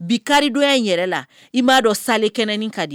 Bi karidonya yɛrɛ la i m'a dɔn sale kɛnɛin ka di